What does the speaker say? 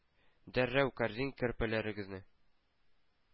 Дәррәү кәрзин, көрпәләрегезне